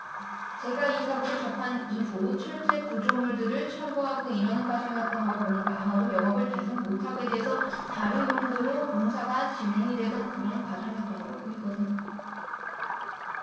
제가 이 사고를 접한 이후 철제구조물들을 철거하고 이러는 과정이었다는 걸 보니까 아마도 영업을 계속 못하게 돼서 다른 용도로 공사가 진행이 되던 그런 과정이었던 걸로 보이거든요